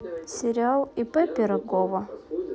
сериал ип пирогова